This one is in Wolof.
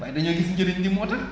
waaye dañoo gis njariñ li moo tax